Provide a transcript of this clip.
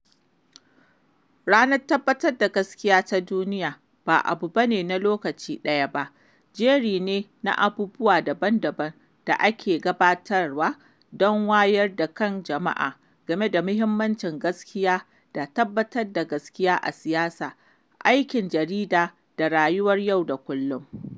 Ranar Tabbatar da Gaskiya ta Duniya ba abu ne na lokaci ɗaya ba, jeri ne na abubuwa daban-daban da ake gabatarwa don wayar da kan jama’a game da muhimmancin gaskiya da tabbatar da gaskiya a siyasa, aikin jarida, da rayuwar yau da kullum.